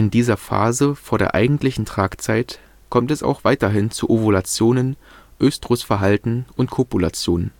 dieser Phase vor der eigentlichen Tragzeit kommt es auch weiterhin zu Ovulationen, Östrusverhalten und Kopulationen